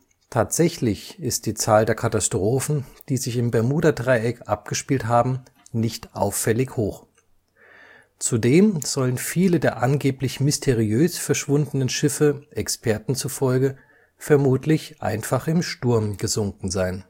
Tatsächlich ist die Zahl der Katastrophen, die sich im Bermudadreieck abgespielt haben, nicht auffällig hoch. Zudem sollen viele der angeblich mysteriös verschwundenen Schiffe Experten zufolge vermutlich einfach im Sturm gesunken sein